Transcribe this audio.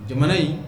Jamana in